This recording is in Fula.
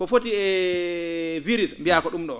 ko foti ee virus mbiyaa ko ?um ?o